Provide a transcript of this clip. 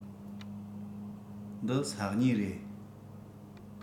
འདི ས སྨྱུག རེད